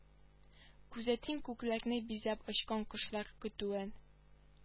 Күзәтим күкләрне бизәп очкан кошлар көтүен